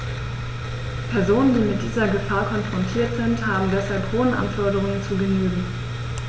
Personen, die mit dieser Gefahr konfrontiert sind, haben deshalb hohen Anforderungen zu genügen.